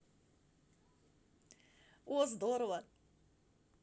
о здорово